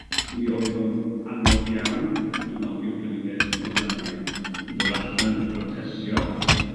mi oedd o'n anodd iawn, dwi'n me'wl, i'r gymuned Mwslemaidd i dod allan i brotestio,